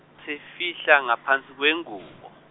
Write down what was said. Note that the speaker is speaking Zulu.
efihla ngaphansi kwengubo.